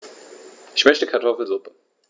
Ich möchte Kartoffelsuppe.